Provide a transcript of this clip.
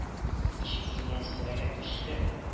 Чөнки Мияссәрәгә көчле